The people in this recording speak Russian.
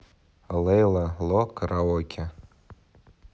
лейла ло караоке